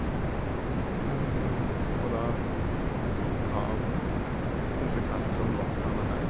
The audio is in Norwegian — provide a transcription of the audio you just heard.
Og da hva konsekvensene vart av det her.